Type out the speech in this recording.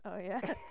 O ie. .